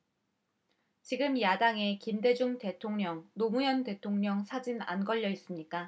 지금 야당에 김대중 대통령 노무현 대통령 사진 안 걸려 있습니까